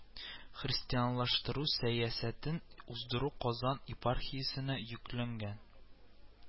Христианлаштыру сәясәтен уздыру Казан епархиясенә йөкләнгән